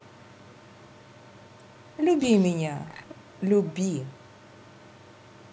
люби меня люби